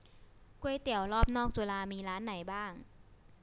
ก๋วยเตี๋ยวรอบนอกจุฬามีร้านไหนบ้าง